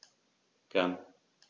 Gern.